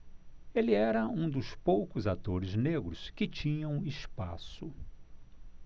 ele era um dos poucos atores negros que tinham espaço